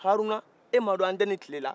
haruna e m'a dɔn an te ni tile la